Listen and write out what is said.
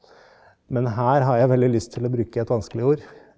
men her har jeg veldig lyst til å bruke et vanskelig ord.